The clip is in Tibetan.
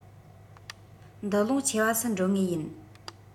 འདུ ལོང ཆེ བ སུ འགྲོ ངེས ཡིན